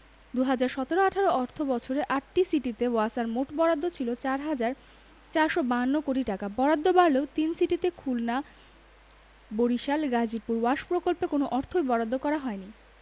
২০১৭ ১৮ অর্থবছরে আটটি সিটিতে ওয়াসার মোট বরাদ্দ ছিল ৪ হাজার ৪৫২ কোটি টাকা বরাদ্দ বাড়লেও তিন সিটিতে খুলনা বরিশাল গাজীপুর ওয়াশ প্রকল্পে কোনো অর্থই বরাদ্দ করা হয়নি